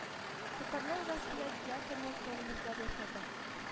Татарлар арасында театрның тормозлар ясады